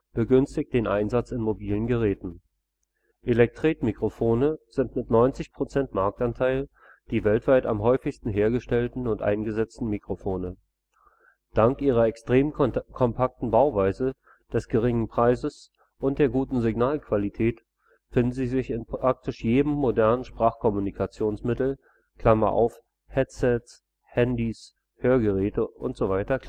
begünstigt den Einsatz in mobilen Geräten. Elektretmikrofone sind mit 90 % Marktanteil die weltweit am häufigsten hergestellten und eingesetzten Mikrofone. Dank ihrer extrem kompakten Bauweise, des geringen Preises und der guten Signalqualität finden sie sich in praktisch jedem modernen Sprachkommunikationsmittel (Headsets, Handys, Hörgeräte usw.